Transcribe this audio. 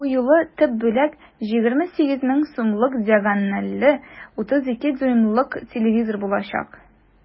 Бу юлы төп бүләк 28 мең сумлык диагонале 32 дюймлык телевизор булачак.